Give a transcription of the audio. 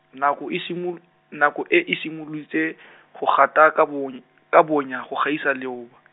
nako e simol-, nako e e simolotse , go gata ka bony-, ka bonya go gaisa leobu.